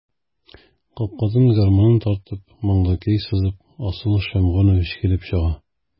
Капкадан, гармунын тартып, моңлы көй сызып, Асыл Шәмгунович килеп чыга.